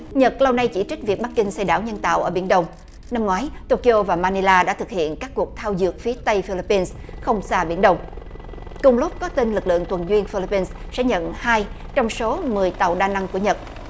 nhật lâu nay chỉ trích việc bắc kinh xây đảo nhân tạo ở biển đông năm ngoái tô ki ô và man đê la đã thực hiện các cuộc thao dượt phía tây phi líp phin không xa biển động cùng lúc có tin lực lượng tuần duyên phi líp phin sẽ nhận hai trong số mười tàu đa năng của nhật